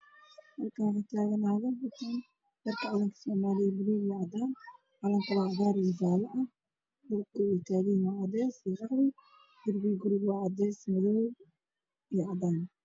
Waa wado waxaa jooga islaamo wataan calanka soomaaliya